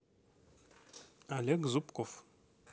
олег зубков